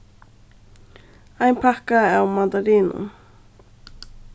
ein pakka av mandarinum